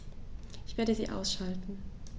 Ich werde sie ausschalten